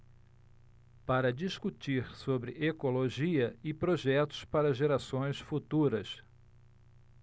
para discutir sobre ecologia e projetos para gerações futuras